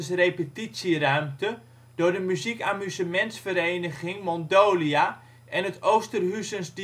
repetitieruimte door de Muziekamusmentsvereniging Mondolia en het Oosterhuuzens